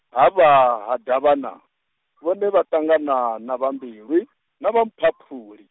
ha vha ha Davhana, vhone vha ṱangana na vha Mbilwi na vha Mphaphuli.